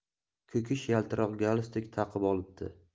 ko'kish yaltiroq galstuk taqib olibdi